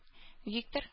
Виктор